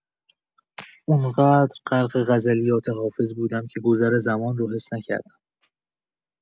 اونقدر غرق غزلیات حافظ بودم که گذر زمان رو حس نکردم.